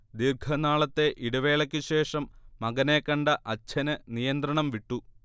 ദീർഘനാളത്തെ ഇടവേളയ്ക്കു ശേഷം മകനെ കണ്ട അച്ഛന് നിയന്ത്രണംവിട്ടു